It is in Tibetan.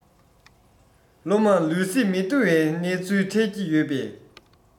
སློབ མར ལུས སེམས མི བདེ བའི གནས ཚུལ འཕྲད ཀྱི ཡོད པས